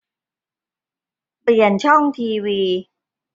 เปลี่ยนช่องทีวี